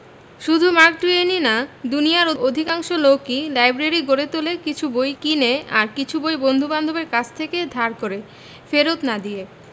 শুধু মার্ক টুয়েনই না দুনিয়ার অধিকাংশ লোকই লাইব্রেরি গড়ে তোলে কিছু বই কিনে আর কিছু বই বন্ধুবান্ধবের কাছ থেকে ধার করে ফেরত্ না দিয়ে